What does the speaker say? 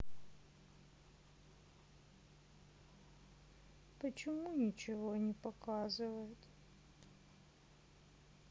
почему ничего не показывает